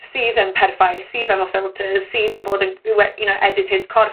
sydd yn perffaith, sydd efo ffilters, sy 'di bod yn yw e un o edited corff